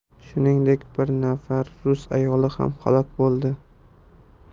shuningdek bir nafar rus ayoli ham halok bo'ldi